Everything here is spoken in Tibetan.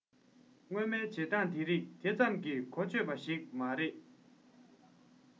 སྔོན མའི བྱེད སྟངས དེ རིགས དེ ཙམ གྱིས གོ ཆོད པ ཞིག མ རེད